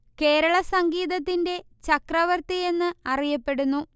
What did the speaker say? കേരള സംഗീതത്തിന്റെ ചക്രവർത്തി എന്ന് അറിയപ്പെടുന്നു